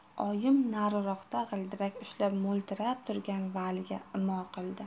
oyim nariroqda g'ildirak ushlab mo'ltirab turgan valiga imo qildi